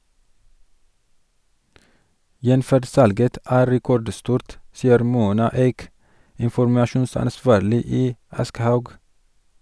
"Gjenferd-salget" er rekordstort, sier Mona Ek, informasjonsansvarlig i Aschehoug.